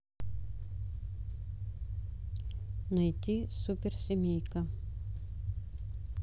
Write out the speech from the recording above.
найти суперсемейка